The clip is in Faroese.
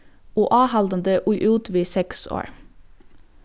og áhaldandi í út við seks ár